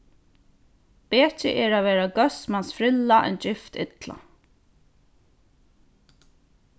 betri er at vera góðs mans frilla enn gift illa